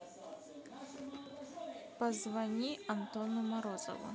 позвони антону морозову